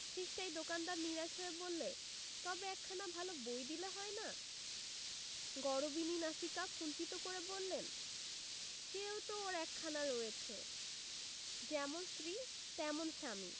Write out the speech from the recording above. শেষটায় দোকানদার নিরাশ হয়ে বললে তবে একখানা ভাল বই দিলে হয় না গরবিনী নাসিকা কুঞ্চিত করে বললেন সেও তো ওঁর একখানা রয়েছে যেমন স্ত্রী তেমন স্বামী